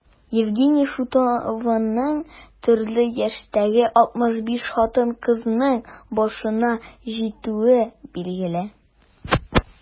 Евгений Шутовның төрле яшьтәге 65 хатын-кызның башына җитүе билгеле.